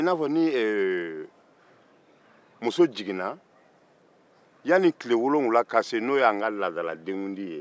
i n'a fɔ ni muso jiginna yanni tile wolonwula ka se n'o y'an ka laadala denkundi ye